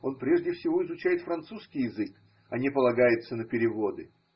он прежде всего изучает французский язык, а не полагается на переводы.